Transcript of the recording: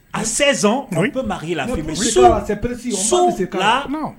à 16 ans on peut marier la femelle sous sous la